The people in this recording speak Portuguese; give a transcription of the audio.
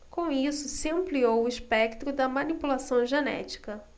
com isso se ampliou o espectro da manipulação genética